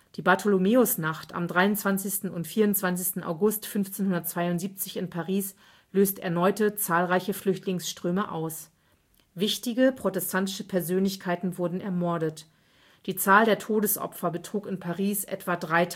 Die Bartholomäusnacht 23. / 24. August 1572 in Paris löst erneute zahlreiche Flüchtlingsströme aus. Wichtige protestantische Persönlichkeiten wurden ermordet. Die Zahl der Todesopfer betrug in Paris etwa 3.000